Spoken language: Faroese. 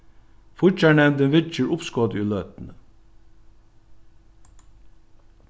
fíggjarnevndin viðger uppskotið í løtuni